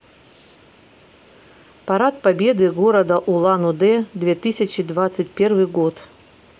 парад победы города улан удэ две тысячи двадцать первый год